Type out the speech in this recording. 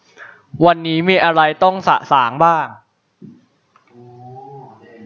วันนี้มีอะไรต้องสะสางบ้าง